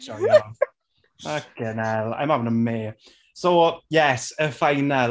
Joio, fucking hell I'm having a mare. So yes y final*.